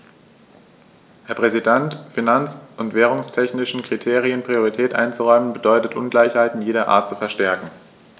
Herr Präsident, finanz- und währungstechnischen Kriterien Priorität einzuräumen, bedeutet Ungleichheiten jeder Art zu verstärken.